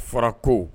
Fara ko